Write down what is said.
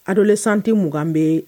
adolescentes 20 bɛ